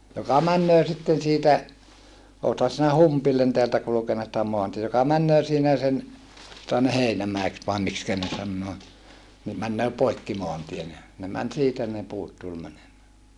joka menee sitten siitä olethan sinä Humpille täältä kulkenut sitä maantietä joka menee siinä sen jota ne Heinämäeksi vai miksi ne sanoo niin menee poikki maantien ja ne meni siitä ne puut tuli menemään